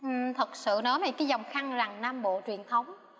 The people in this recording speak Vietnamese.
thật sự nói về cái dòng khăn rằn nam bộ truyền thống